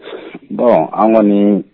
Bɔn an kɔni